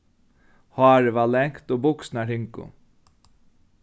hárið var langt og buksurnar hingu